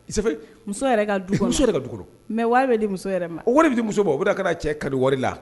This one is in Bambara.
Muso yɛrɛ muso yɛrɛ ka dugu mɛ bɛ di muso yɛrɛ ma o wari bɛ di muso bɔ o bɛ ka cɛ ka di wari la